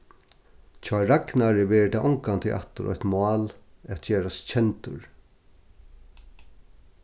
hjá ragnari verður tað ongantíð aftur eitt mál at gerast kendur